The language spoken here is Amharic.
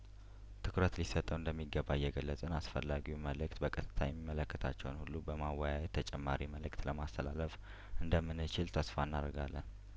ትኩረት ሊሰጠው እንደሚገባ እየገለጽን አስፈላጊውን መልእክት በቀጥታ የሚመለከታቸውን ሁሉ በማወያየት ተጨማሪ መልእክት ለማስተላለፍ እንደምንችል ተስፋ እናረጋለን